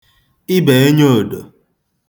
ịbèenyaèdò